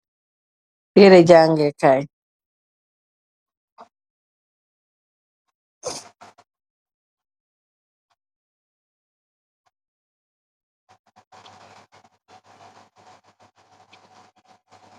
Nyeereh jangeh kai.